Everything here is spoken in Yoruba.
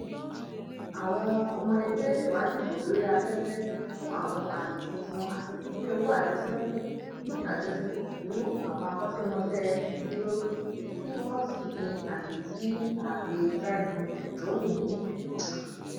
Àwọn ọmọ ẹgbẹ́ lè wá dìbò lórí afẹ́fẹ́ fún àwọn àyè tuntun àti pínpín owó àjẹṣẹ́kù, ní àjọṣepọ̀ pẹ̀lú àwọn akọ́ṣẹ́mọṣẹ́ ìmúdúró, kí wọn ó sì fi àyè sí ààyè TribeWanted yòówù ní ẹ̀dínwó.